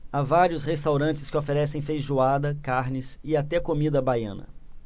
há vários restaurantes que oferecem feijoada carnes e até comida baiana